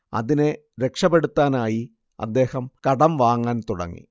അതിനെ രക്ഷപെടുത്താനായി അദ്ദേഹം കടം വാങ്ങാൻ തുടങ്ങി